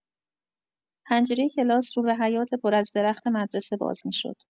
پنجره کلاس رو به حیاط پر از درخت مدرسه باز می‌شد.